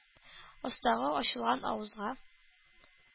Астагы ачылган авызга